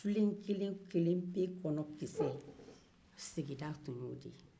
filen kelen kelenpe kɔnɔ kisɛ sigida tun ye o de ye